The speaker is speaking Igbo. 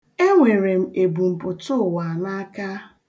E nwere m ebumpụtụụwa n'aka.